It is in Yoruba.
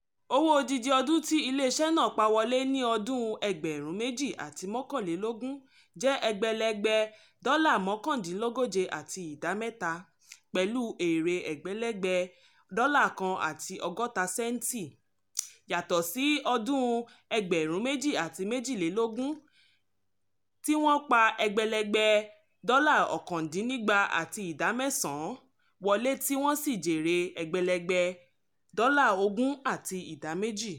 Owó odidi ọdún ti iléeṣé náà pa wọlé ní 2023 jẹ́ ẹgbẹ̀lẹ̀gbẹ̀ 140.3 USD, pẹ̀lú èrè ẹgbẹ̀lẹ̀gbẹ̀ 1.6 USD, yàtọ̀ sí 2022 tí wọ́n pa ẹgbẹ̀lẹ̀gbẹ̀188.9 USD wọlé tí wọ́n sì jèrè ẹgbẹ̀lẹ̀gbẹ̀ 20.2 USD.